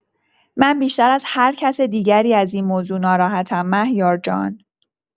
من بیشتر از هرکس دیگری از این موضوع ناراحتم مهیار جان.